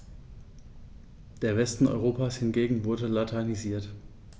Der Westen Europas hingegen wurde latinisiert.